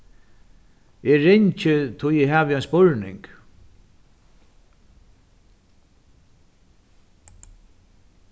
eg ringi tí eg havi ein spurning